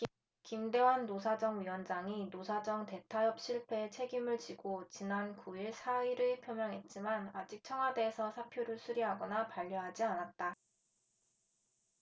김대환 노사정위원장이 노사정 대타협 실패에 책임을 지고 지난 구 일 사의를 표명했지만 아직 청와대에서 사표를 수리하거나 반려하지 않았다